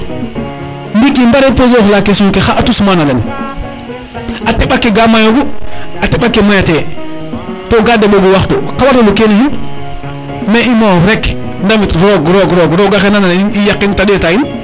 ndiki i mbare poser ox la question xa atu sumana lene a teɓake ka mayo gu a teɓake maya te to ka deɓogu waxtu xa wara lu kene xin mais i moof rek ndamit roog roog roga xena nda in i yaqin te ndeta in